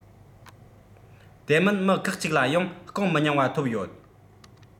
དེ མིན མི ཁག གཅིག ལ ཡང སྐོང མི ཉུང བ ཐོབ ཡོད